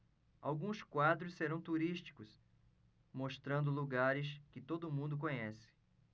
alguns quadros serão turísticos mostrando lugares que todo mundo conhece